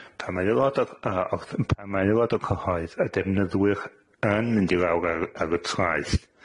Pan mae aelod o'r yy o'r cym- pa mae aelod o cyhoedd, y defnyddwyr, yn mynd i lawr ar y- ar y traeth,